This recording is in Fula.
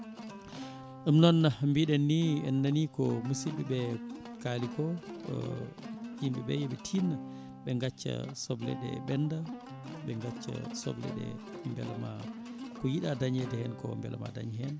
ɗum noon mbiɗen ni en nani ko musibɓeɓe kaali ko yimɓeɓe yooɓe tinno ɓe gacca sobeleɗe ɓenda ɓe gacca sobleɗe beela ma ko yiiɗa daañede hen ko beela ma daañe hen